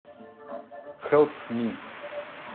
хелп ми